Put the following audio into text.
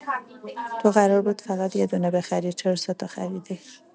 تو قرار بود فقط یه دونه بخری، چرا سه‌تا خریدی؟